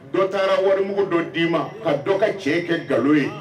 Dɔ taara warimugu dɔ d'i ma ka dɔ kɛ cɛ kɛ nkalon ye